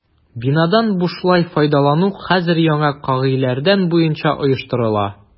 Бинадан бушлай файдалану хәзер яңа кагыйдәләр буенча оештырыла.